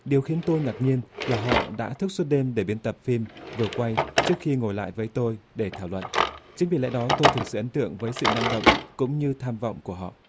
điều khiến tôi ngạc nhiên là họ đã thức suốt đêm để biên tập phim vừa quay trước khi ngồi lại với tôi để thảo luận chính vì lẽ đó tôi thực sự ấn tượng với sự năng động cũng như tham vọng của họ